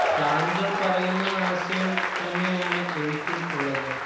താങ്കൾ പറയുന്ന ആശയം തന്നെയാണ് എനിക്കും ഉള്ളത്